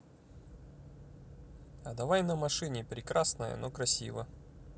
а давай на машине прекрасная но красиво